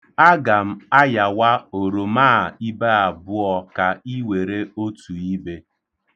Aga m ayawa oroma a ibe abụọ ka I were otu ibe.